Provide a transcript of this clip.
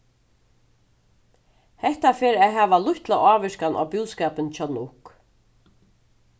hetta fer at hava lítla ávirkan á búskapin hjá nuuk